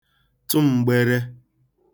tụ m̄gbērē